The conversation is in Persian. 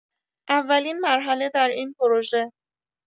اولین مرحله در این پروژه